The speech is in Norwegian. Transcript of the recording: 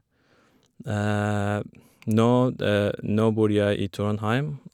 nå Nå bor jeg i Trondheim.